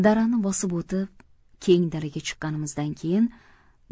darani bosib o'tib keng dalaga chiqqanimizdan keyin